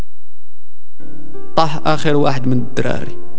اخر واحد من الدراري